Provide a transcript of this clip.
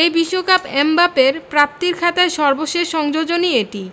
এই বিশ্বকাপ এমবাপ্পের প্রাপ্তির খাতায় সর্বশেষ সংযোজনই এটি